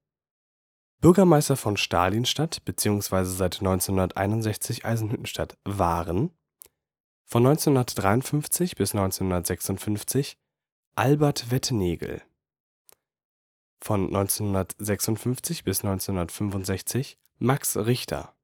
Bürgermeister von Stalinstadt bzw. seit 1961 Eisenhüttenstadt: 1953 – 1956 Albert Wettengel 1956 – 1965 Max Richter